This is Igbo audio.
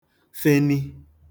feni